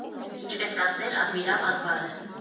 Ինչպես կասեր Ադմիրալ Ակբարը.